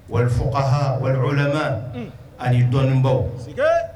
Fɔ a wali ani dɔnnibaw